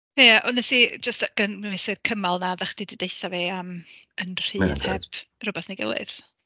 Ia, ond wnes i jyst gynnwys y cymal yna oedda chdi 'di deud wrtha i am "yn rhydd heb rywbeth neu gilydd".